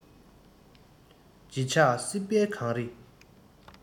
བརྗིད ཆགས སྲིད པའི གངས རི